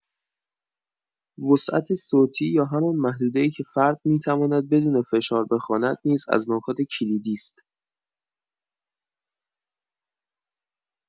وسعت صوتی یا همان محدوده‌ای که فرد می‌تواند بدون فشار بخواند نیز از نکات کلیدی است.